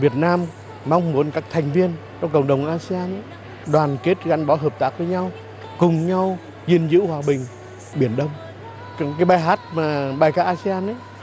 việt nam mong muốn các thành viên trong cộng đồng a sê an đoàn kết gắn bó hợp tác với nhau cùng nhau gìn giữ hòa bình biển đông trong cái bài hát mà bài ca a sê an